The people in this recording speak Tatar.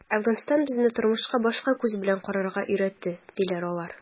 “әфганстан безне тормышка башка күз белән карарга өйрәтте”, - диләр алар.